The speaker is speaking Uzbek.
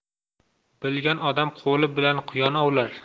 bilgan odam qo'li bilan quyon ovlar